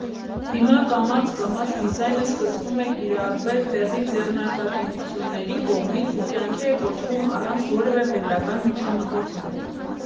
Հիմա կամաց֊կամաց դիզայնը սկսվում է կիրառվել տեղի ձեռնարկատիրությունների կողմից ու կյանքի է կոչվում՝ առանց որևէ պետական միջամտության։